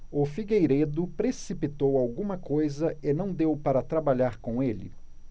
o figueiredo precipitou alguma coisa e não deu para trabalhar com ele